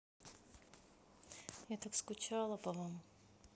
я так скучала по вам